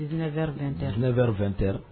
19 heures 20 heures